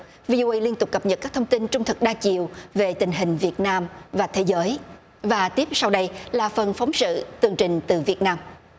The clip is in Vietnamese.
vi ô ây liên tục cập nhật các thông tin trung thực đa chiều về tình hình việt nam và thế giới và tiếp sau đây là phần phóng sự tường trình từ việt nam